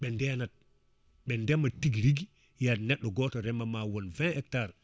ɓe ndenat ɓe ndema tiguirigui a yiyat neɗɗo goto reema ma won 20 hectares